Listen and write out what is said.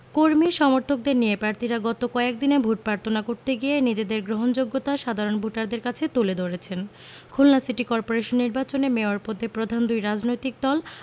কর্মী সমর্থকদের নিয়ে প্রার্থীরা গত কয়েক দিনে ভোট প্রার্থনা করতে গিয়ে নিজেদের গ্রহণযোগ্যতা সাধারণ ভোটারদের কাছে তুলে ধরেছেন খুলনা সিটি করপোরেশন নির্বাচনে মেয়র পদে প্রধান দুই রাজনৈতিক দল